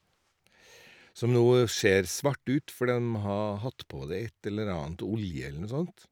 Som nå ser svart ut, for dem har hatt på det et eller annet, olje eller noe sånt.